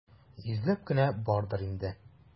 Йөзләп кенә бардыр инде.